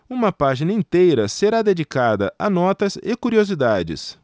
uma página inteira será dedicada a notas e curiosidades